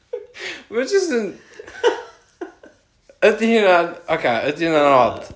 ma' o jyst yn... ... ydy hynna'n... ocê ydy hynna'n od?